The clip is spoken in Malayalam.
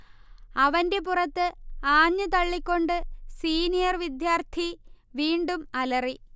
അവന്റെ പുറത്ത്ആഞ്ഞു തള്ളിക്കൊണ്ടു സീനിയർ വിദ്യാർത്ഥി വീണ്ടും അലറി